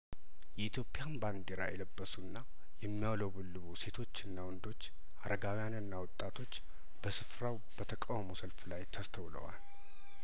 የኢትዮጵያን ባንዲራ የለበሱና የሚያውለበልቡ ሴቶችና ወንዶች አረጋ ዊያንና ወጣቶች በስፍራው በተቃውሞ ሰልፍ ላይ ተስተውለዋል